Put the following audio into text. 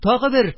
Тагы бер!